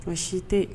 Bɔn si tɛ